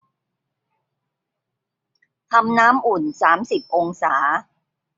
ทำน้ำอุ่นสามสิบองศา